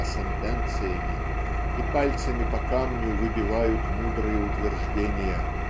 а сентенциями и пальцами по камню выбивают мудрые утверждения